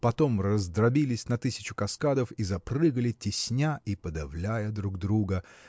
потом раздробились на тысячу каскадов и запрыгали тесня и подавляя друг друга.